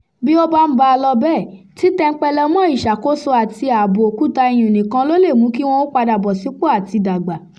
Bí ó bá ń bá a lọ bẹ́ẹ̀, títẹmpẹlẹ mọ́ ìṣàkóso àti ààbò òkúta iyùn nìkan ló lè mú kí wọn ó padà bọ̀ sípò àti dàgbà: